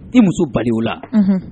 I muso ba o la